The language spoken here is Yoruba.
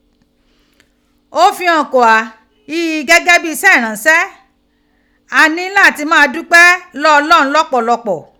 O fihan ko gha ghi gege bi ise iranse ani lati maa dupe loo olohun lopolopo,